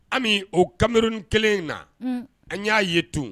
Ami o kamalenmer kɛlen in na an y'a ye tun